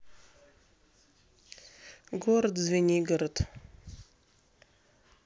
город звенигород